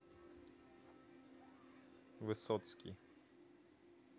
высоцкий